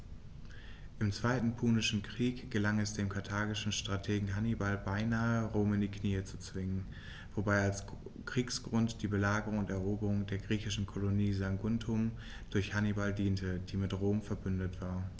Im Zweiten Punischen Krieg gelang es dem karthagischen Strategen Hannibal beinahe, Rom in die Knie zu zwingen, wobei als Kriegsgrund die Belagerung und Eroberung der griechischen Kolonie Saguntum durch Hannibal diente, die mit Rom „verbündet“ war.